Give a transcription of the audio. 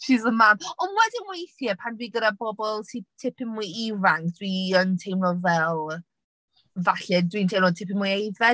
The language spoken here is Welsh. She's the man. Ond wedyn weithiau pan fi gyda bobl sy tipyn mwy ifanc, dwi yn teimlo fel falle dwi'n teimlo tipyn mwy aeddfedd.